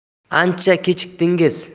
ancha kechikdingiz